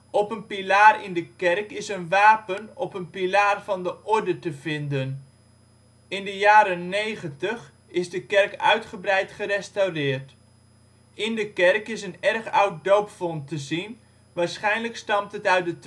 Op een pilaar in de kerk is een wapen op een pilaar van de orde te vinden. In de jaren negentig is de kerk uitgebreid gerestaureerd. In de kerk is een erg oud doopvont te zien. Waarschijnlijk stamt het uit de